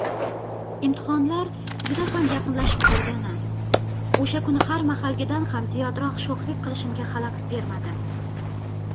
imtihonlar juda ham yaqinlashib qolgani o'sha kuni har mahaldagidan ham ziyodroq sho'xlik qilishimga xalaqit bermadi